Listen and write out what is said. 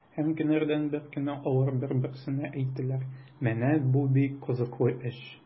Һәм көннәрдән бер көнне алар бер-берсенә әйттеләр: “Менә бу бик кызыклы эш!”